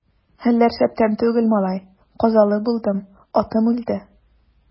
Хәлләр шәптән түгел, малай, казалы булдым, атым үлде.